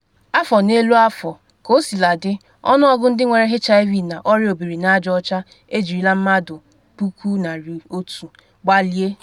Afọ n’elu afọ, kosiladị, ọnụọgụ ndị nwere HIV na Ọrịa obiri n’aja ọcha ejirila mmadụ 100,000 gbalie.